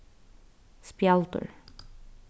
spjaldur